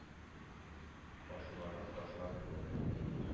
Ачуланып ташлар кебек.